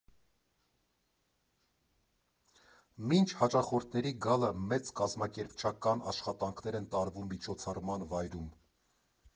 Մինչ հաճախորդների գալը մեծ կազմակերպչական աշխատանքներ են տարվում միջոցառման վայրում։